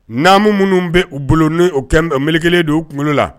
Naamu minnu bɛ u bolo ni o kɛnen bɛ o mele kelen don kungolo la